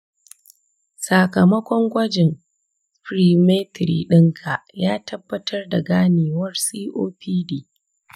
sakamakon gwajin spirometry ɗinka ya tabbatar da ganewar copd.